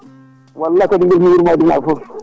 wallahi ko ɗum ɓurmi yurmade *